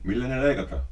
millä ne leikataan